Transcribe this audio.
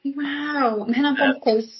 Waw ma' hynna'n boncyrs!